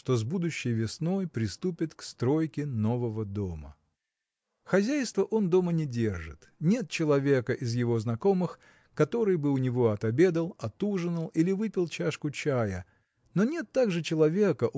что с будущей весной приступит к стройке нового дома. Хозяйства он дома не держит. Нет человека из его знакомых который бы у него отобедал отужинал или выпил чашку чаю но нет также человека